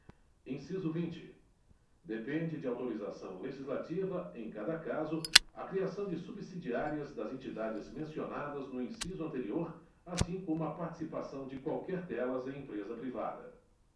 inciso vinte depende de autorização legislativa em cada caso a criação de subsidiárias das entidades mencionadas no inciso anterior assim como a participação de qualquer delas em empresa privada